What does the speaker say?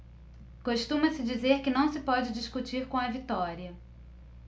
costuma-se dizer que não se pode discutir com a vitória